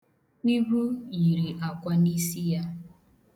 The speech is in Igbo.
Igwu yiri akwa n'isi ya.